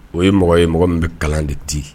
O ye mɔgɔ ye mɔgɔ min bɛ kalan de ci